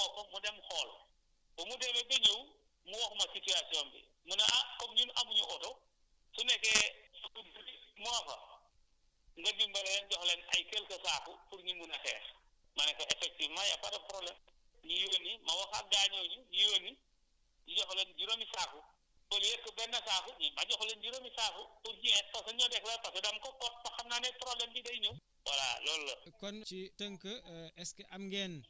man ma woo ko ba ma jox leen numéro kooku ñu woo ko mu dem xool ba mu demee ba ñëw mu wax ma situation bi mu ne ah comme ñun amuñu oto su nekkee [pif] mu nga fa nga dimbale jox leen ay quelques saako pour ñu mun a xeex ma ne ko effectivement y' a pas de problème ñu yónni ma waxaat gars ñooñu ñu yónni ñu jox leen juróomi saako au lieu que benn saaku mais ma jox leen juróomi saaku pour xeex parce que **** te xam naa ne projet am bi day ñëw voilà loolu la